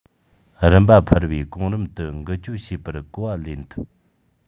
རིམ པ འཕར བའི གོམ རིམ དུ འགུལ སྐྱོད བྱས པར གོ བ ལེན ཐུབ